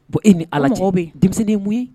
Bon e ni Ala cɛ o mɔgɔw be ye denmisɛnnin ye mun ye